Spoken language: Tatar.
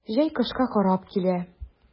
Җәй кышка карап килә.